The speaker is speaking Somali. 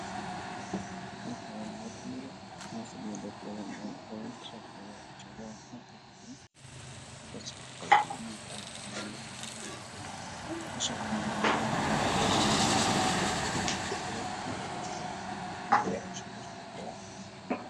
Waa niman meel fadhiyo ninka usoo horeeyo wuxuu wataa shaati iyo ookiyalo cadaan ah